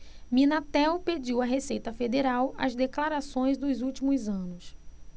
minatel pediu à receita federal as declarações dos últimos anos